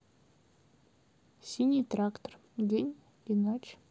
синий трактор день и ночь